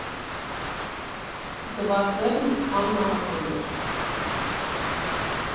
Ձվածեղն անմահակա՜ն էր»։